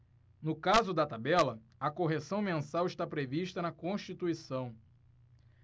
no caso da tabela a correção mensal está prevista na constituição